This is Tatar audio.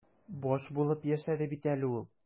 Баш булып яшәде бит әле ул.